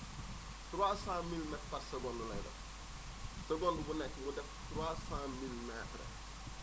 300 milimètres par seconde lay def seconde bu nekk mu def 300 milimètres